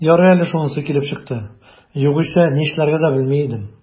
Ярый әле шунысы килеп чыкты, югыйсә, нишләргә дә белми идем...